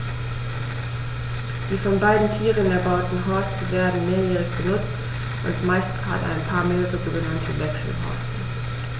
Die von beiden Tieren erbauten Horste werden mehrjährig benutzt, und meist hat ein Paar mehrere sogenannte Wechselhorste.